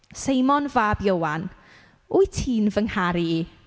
Seimon fab Ioan wyt ti'n fy ngharu i?